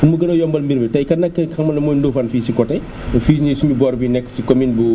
pour mu gën a yombal mbir mi tey kan la ki nga xam ne mooy Ndofane fii si côté fii nii sunu boor bii nekk si commune bu